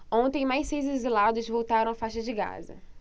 ontem mais seis exilados voltaram à faixa de gaza